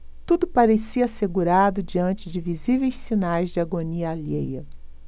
tudo parecia assegurado diante de visíveis sinais de agonia alheia